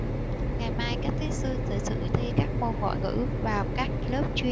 ngày mai các thí sinh sẽ dự thi các môn ngoại ngữ vào các lớp chuyên